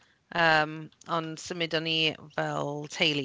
Yym, ond symudon ni fel teulu.